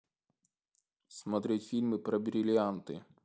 смотреть фильмы про бриллианты